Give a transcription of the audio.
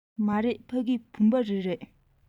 མ རེད ཕ གི བུམ པ རི རེད